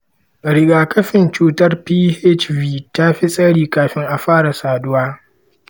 rigakafin cutar hpv ta fi tasiri kafin a fara saduwa.